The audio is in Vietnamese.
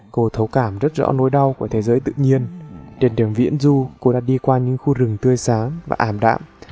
cô thấu cảm rất rõ nỗi đau của thế giới tự nhiên trên đường viễn du cô đã đi qua những khu rừng tươi sáng và ảm đạm